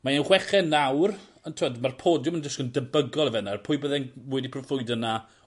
Mae e'n chweched nawr ond t'wod ma'r podiwm yn disgwl yn debygol i fe nawr pwy bydde'n wedi proffwydo 'na